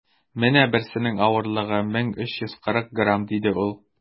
- менә берсенең авырлыгы 1340 грамм, - диде ул.